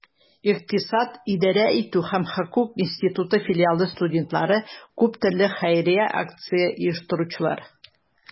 Икътисад, идарә итү һәм хокук институты филиалы студентлары - күп төрле хәйрия акцияләрен оештыручылар.